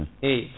eyyi